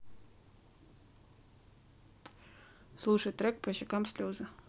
слушать трек по щекам слезы